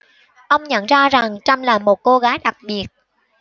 ông nhận ra rằng trâm là một cô gái đặc biệt